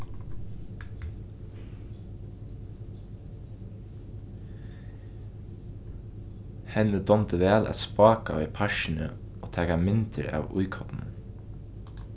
henni dámdi væl at spáka í parkini og taka myndir av íkornunum